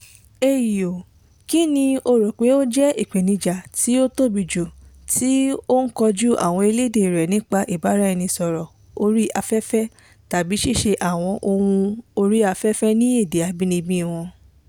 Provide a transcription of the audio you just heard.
(AOY): Kínni o rò pé ó jẹ́ ìpèníjà tí ó tóbi jù tí ó ń kojú àwọn elédè rẹ nípa ìbáraẹnisọ̀rọ̀ orí afẹ́fẹ́ tàbí ṣíṣe àwọn ohun orí afẹ́fẹ́ ní èdè abínibí wọn?